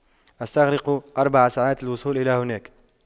استغرق أربع ساعات للوصول إلى هناك